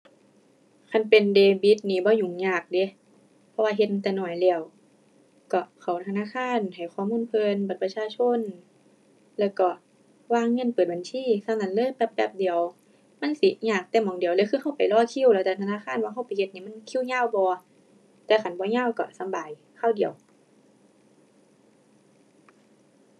คันเป็นเดบิตนี่บ่ยุ่งยากเดะ เพราะว่าเฮ็ดตั้งแต่น้อยแล้ว ก็เข้าธนาคาร ให้ข้อมูลเพิ่น บัตรประชาชน แล้วก็วางเงินเปิดบัญชีส่ำนั้นเลย แป๊บแป๊บเดียว มันสิยากแต่หม้องเดียวเลยคือเราไปรอคิว แล้วแต่ธนาคารว่าเราไปเฮ็ดนี่มันคิวยาวบ่ แต่คันบ่ยาวก็สำบาย คราวเดียว